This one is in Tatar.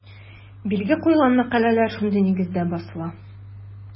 Билге куелган мәкаләләр шундый нигездә басыла.